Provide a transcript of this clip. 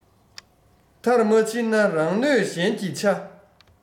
མཐར མ ཕྱིན ན རང གནོད གཞན གྱིས འཕྱ